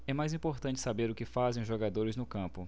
é mais importante saber o que fazem os jogadores no campo